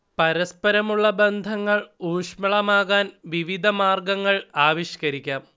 പരസ്പരമുള്ള ബന്ധങ്ങൾ ഊഷ്ളമാകാൻ വിവിധ മാർഗങ്ങൾ ആവിഷ്കരിക്കാം